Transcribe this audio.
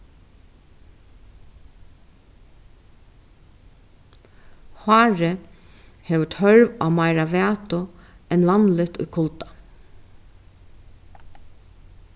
hárið hevur tørv á meira vætu enn vanligt í kulda